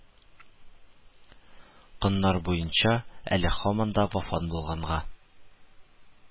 Коннар буенча, әле һаман да вафат булганга